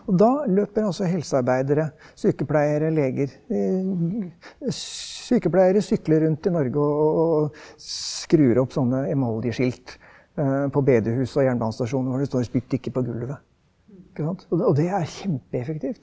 og da løper altså helsearbeidere, sykepleiere, leger sykepleiere sykler rundt i Norge og og skrur opp sånne emaljeskilt på bedehus og jernbanestasjoner hvor det står spytt ikke på gulvet ikke sant og det det er kjempeeffektivt.